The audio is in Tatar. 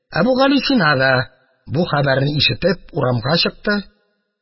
Әбүгалисина да, бу хәбәрне ишетеп, урамга чыкты.